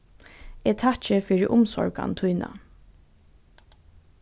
eg takki fyri umsorgan tína